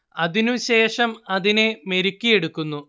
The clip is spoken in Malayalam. അതിനു ശേഷം അതിനെ മെരുക്കിയെടുക്കുന്നു